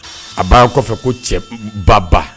A'a kɔfɛ ko cɛbaba